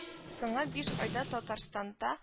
Соңгы биш айда татарстанда